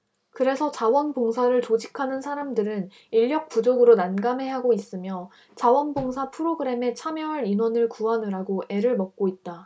그래서 자원 봉사를 조직하는 사람들은 인력 부족으로 난감해하고 있으며 자원 봉사 프로그램에 참여할 인원을 구하느라고 애를 먹고 있다